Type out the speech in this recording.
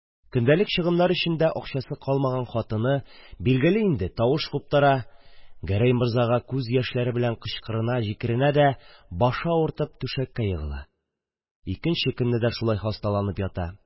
Көндәлек чыгымнар өчен дә акчасы калмаган хатыны, билгеле инде, тавыш куптара, гәрәй морзага күз яшьләре белән кычкырына-җикеренә дә, башы авыртып түшәккә егыла, икенче көнне дә шулай хасталанып ята